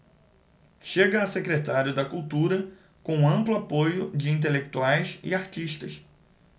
chega a secretário da cultura com amplo apoio de intelectuais e artistas